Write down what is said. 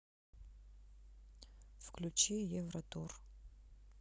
включи евротур